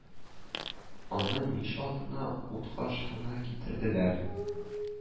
Аны мич алдына ут каршысына китерделәр